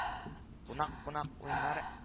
Кунак-кунак уйнар